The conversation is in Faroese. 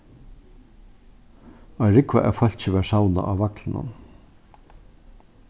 ein rúgva av fólki var savnað á vaglinum